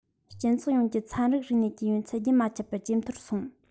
སྤྱི ཚོགས ཡོངས ཀྱི ཚན རྩལ རིག གནས ཀྱི ཡོན ཚད རྒྱུན མ ཆད པར ཇེ མཐོར སོང